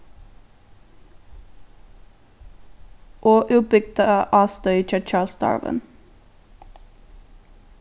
og útbygda ástøðið hjá charles darwin